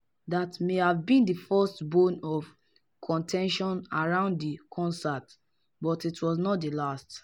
That may have been the first bone of contention around the concert, but it was not the last.